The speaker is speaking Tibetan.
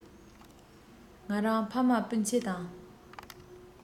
ང རང ཕ མ སྤུན ཆེད དང